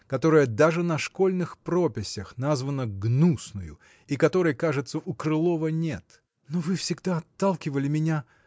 которая даже на школьных прописях названа гнусною и которой кажется у Крылова нет. – Но вы всегда отталкивали меня.